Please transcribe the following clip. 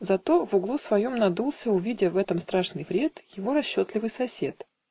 Зато в углу своем надулся, Увидя в этом страшный вред, Его расчетливый сосед